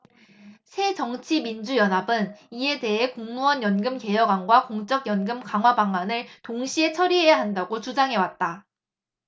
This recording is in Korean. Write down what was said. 새정치민주연합은 이에 대해 공무원연금 개혁안과 공적연금 강화방안을 동시에 처리해야 한다고 주장해왔다